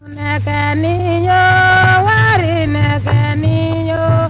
sanunɛgɛnin yo warinɛgɛnin yo